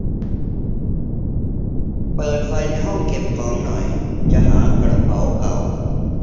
เปิดไฟในห้องเก็บของหน่อยจะหากระเป๋าเก่า